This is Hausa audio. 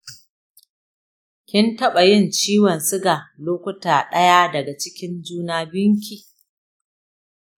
kin taɓa yin ciwon siga lokutan ɗaya daga cikin juna biyunki?